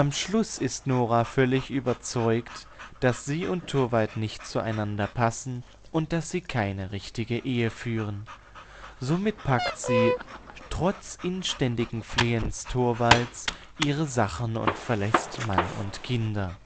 Schluss ist Nora völlig überzeugt, dass sie und Torvald nicht zueinander passen und dass sie keine richtige Ehe führen. Somit packt sie, trotz inständigen Flehens Torvalds, ihre Sachen und verlässt Mann und Kinder